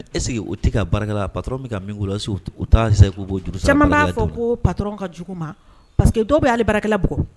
E tɛ min la seguo caman b'a fɔ ko pa ka jugu ma paseke dɔw bɛ' ale barabugu